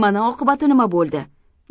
mana oqibati nima bo'ldi